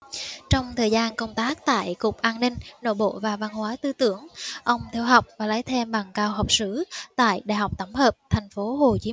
trong thời gian công tác tại cục an ninh nội bộ và văn hóa tư tưởng ông theo học và lấy thêm bằng cao học sử tại đại học tổng hợp thành phố hồ chí